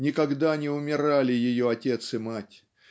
никогда не умирали ее отец и мать